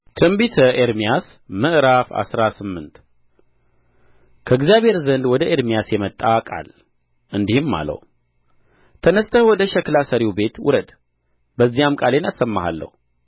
ትንቢተ ኤርምያስ ምዕራፍ አስራ ስምንት ከእግዚአብሔር ዘንድ ወደ ኤርምያስ የመጣ ቃል እንዲህም አለው ተነሥተህ ወደ ሸክላ ሠሪው ቤት ውረድ በዚያም ቃሌን አሰማሃለሁ